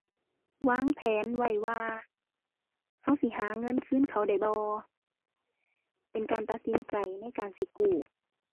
วางแผนไว้ว่า เราสิหาเงินคืนเขาได้บ่ เป็นการตัดสินใจในการสิกู้